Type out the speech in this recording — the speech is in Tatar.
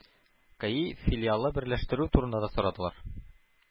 Каи филиалыберләштерү турында да сорадылар.